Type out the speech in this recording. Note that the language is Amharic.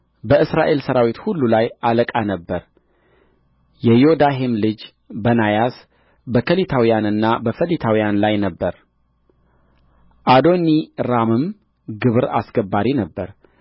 በእስራኤል ሠራዊት ሁሉ ላይ አለቃ ነበረ የዩዳሄም ልጅ በናያስ በከሊታውያንና በፈሊታውያን ላይ ነበረ አዶኒራምም ግብር አስገባሪ ነበረ